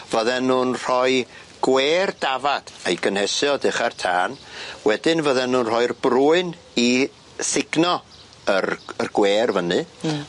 fydden nw'n rhoi gwêr dafad a'i gynesu o dycha'r tân wedyn fydden nw'n rhoi'r brwyn i sugno yr yr gwêr fyny. Hmm.